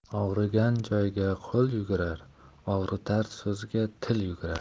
og'rigan joyga qo'l yugurar og'ritar so'zga til yugurar